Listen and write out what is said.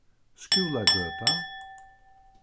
skúlagøta